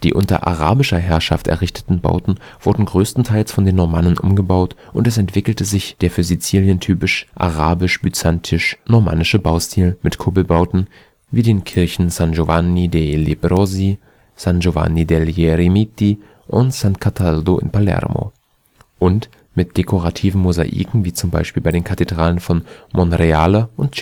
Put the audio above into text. unter arabischer Herrschaft errichteten Bauten wurden größtenteils von den Normannen umgebaut und es entwickelte sich der für Sizilien typische arabisch-byzantinisch-normannische Baustil mit Kuppelbauten wie den Kirchen San Giovanni dei Lebbrosi, San Giovanni degli Eremiti und San Cataldo in Palermo und mit dekorativen Mosaiken wie zum Beispiel bei den Kathedralen von Monreale und